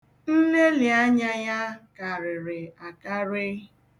Nlelị anya ya karịrị akarị.